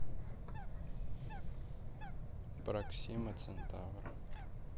проксима центавра